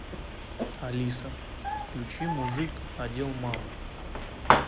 алиса включи мужик одел маму